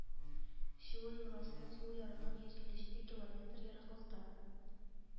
Чуел елгасының сул ярыннан йөз илле җиде километр ераклыкта